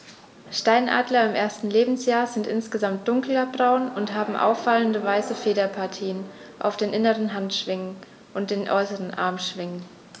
Steinadler im ersten Lebensjahr sind insgesamt dunkler braun und haben auffallende, weiße Federpartien auf den inneren Handschwingen und den äußeren Armschwingen.